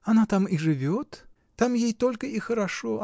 — Она там и живет, там ей только и хорошо.